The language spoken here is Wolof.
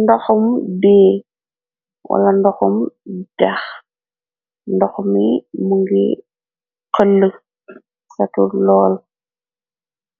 Ndoxum dee, wala ndoxum dex, ndox mi mu ngi xëll satu lool,